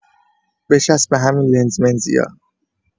بچسب به همین لنز منزیا